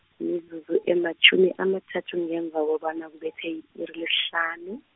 mizuzu ematjhumi amathathu ngemva kobana kubethe i-iri lesihlanu.